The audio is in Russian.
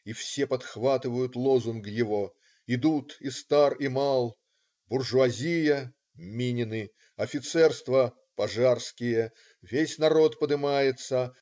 И все подхватывают лозунг его. Идут и стар и мал. Буржуазия - Минины. Офицерство Пожарские. Весь народ подымается.